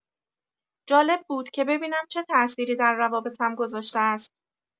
جالب بود که ببینم چه تاثیری در روابطم گذاشته است.